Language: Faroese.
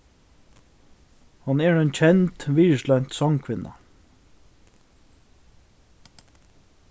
hon er ein kend virðislønt songkvinna